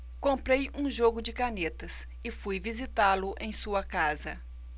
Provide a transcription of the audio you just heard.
comprei um jogo de canetas e fui visitá-lo em sua casa